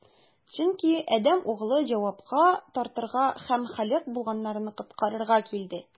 Чөнки Адәм Углы җавапка тартырга һәм һәлак булганнарны коткарырга килде.